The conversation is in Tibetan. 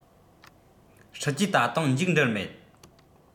སྲིད ཇུས ད དུང མཇུག འགྲིལ མེད